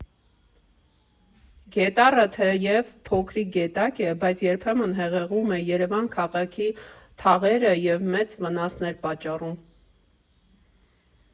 Գետառը թեև փոքրիկ գետակ է, բայց երբեմն հեղեղում է Երևան քաղաքի թաղերը և մեծ վնասներ պատճառում։